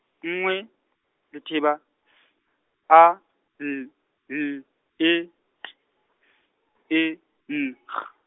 nngwe, letheba S, A, L, L, E, T, S , E, N, G.